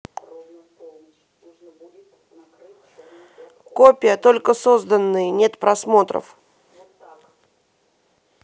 копия только созданные нет просмотров